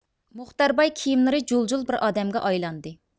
مۇختەر باي كىيىملىرى جۇل جۇل بىر ئادەمگە ئايلاندى